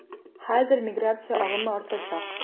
Хәзер миграция агымы артачак.